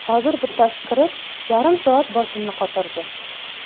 hozir bittasi kirib yarim soat boshimni qotirdi